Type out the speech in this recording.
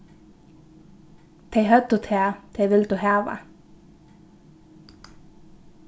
tey høvdu tað tey vildu hava